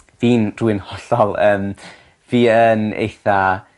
Fi'n dwi'n hollol yn fi yn eitha